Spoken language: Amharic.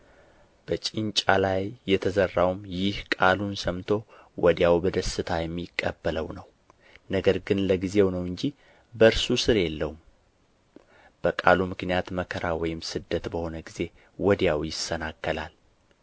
በጭንጫ ላይ የተዘራውም ይህ ቃሉን ሰምቶ ወዲያው በደስታ የሚቀበለው ነው ነገር ግን ለጊዜው ነው እንጂ በእርሱ ሥር የለውም በቃሉ ምክንያትም መከራ ወይም ስደት በሆነ ጊዜ ወዲያው ይሰናከላል